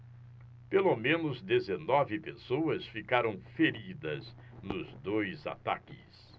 pelo menos dezenove pessoas ficaram feridas nos dois ataques